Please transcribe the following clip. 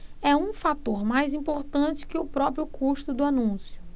é um fator mais importante que o próprio custo do anúncio